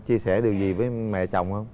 chia sẻ điều gì với mẹ chồng không